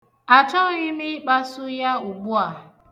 Achọghị m ikpasu ya ugbu a.